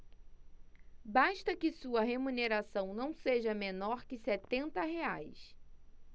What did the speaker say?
basta que sua remuneração não seja menor que setenta reais